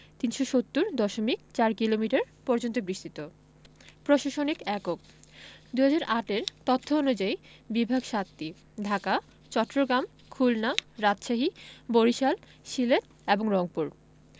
৩৭০ দশমিক ৪ কিলোমিটার পর্যন্ত বিস্তিত প্রশাসনিক এককঃ ২০০৮ এর তথ্য অনুযায়ী বিভাগ ৭টি ঢাকা চট্টগ্রাম খুলনা রাজশাহী বরিশাল সিলেট এবং রংপুর